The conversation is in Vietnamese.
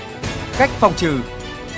cách phòng trừ